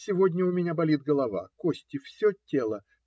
Сегодня у меня болит голова, кости, все тело.